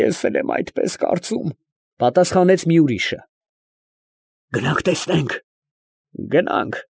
Ես էլ այսպես եմ կարծում, ֊ պատասխանեց մի ուրիշը։ ֊ Գնանք, տեսնենք։ ֊ Գնանք։